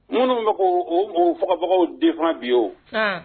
Minnu bɛ fobagaw de fana bi oo